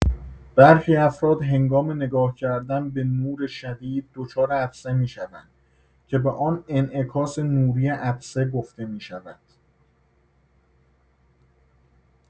برخی افراد هنگام نگاه‌کردن به نور شدید دچار عطسه می‌شوند که به آن انعکاس نوری عطسه گفته می‌شود.